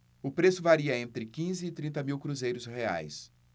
o preço varia entre quinze e trinta mil cruzeiros reais